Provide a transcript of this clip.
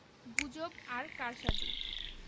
গুজব আর কারসাজি